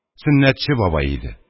Сөннәтче бабай иде.